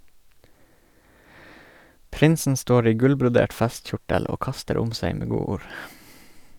Prinsen står i gullbrodert festkjortel og kaster om seg med godord.